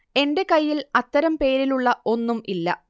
എന്റെ കയ്യിൽ അത്തരം പേരിലുള്ള ഒന്നും ഇല്ല